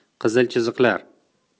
qizil chiziqlar